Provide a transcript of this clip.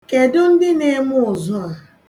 Kedụ ndị na-eme ụzụ a?